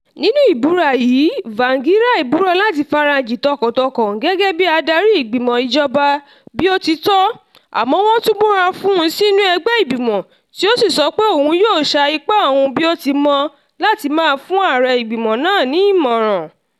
Nínú ìbúra yìí, Tsvangirai búra láti farajìn tọkàn-tọkàn gẹ́gẹ́ bi Adarí Ìgbìmọ Ìjọba, bí ó ti tọ́, àmọ́ wọ́n tún búra fún sínu ẹgbẹ́ ìgbìmọ̀ tí ó sì sọ pé òun yóò sa ipá ohun bí ó ti mọ́ láti máa fún aàrẹ ìgbìmọ náà ní ìmọ̀ràn.